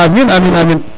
amin amin